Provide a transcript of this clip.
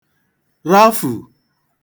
rafù